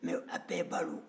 mɛ a bɛɛ balo